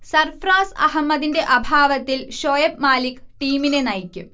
സർഫ്രാസ് അഹമ്മദിന്റെ അഭാവത്തിൽ ഷൊയ്ബ് മാലിക് ടീമിനെ നയിക്കും